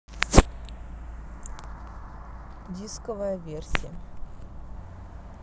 дисковая версия